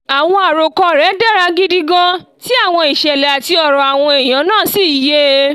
Àwọn àròkọ rẹ̀ dára gidi gan tí àwọn ìṣẹ̀lẹ̀ àti ọ̀rọ̀ àwọn èèyàn náà sì yé e.